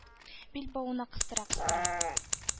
Билбавына кыстыра-кыстыра,